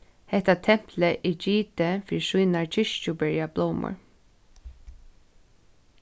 hetta templið er gitið fyri sínar kirsuberjablómur